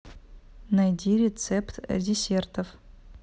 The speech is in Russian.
найди рецепт десертов